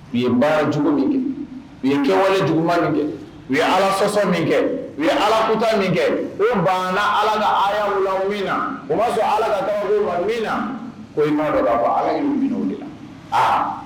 U ye baarajugu min kɛ, u ye kɛwale juguman min kɛ, u ye Alasɔsɔ min kɛ, u ye Alakota min kɛ, u banna Ala ka hayaw la min na, o ma sɔn Ala ka kabako ma min na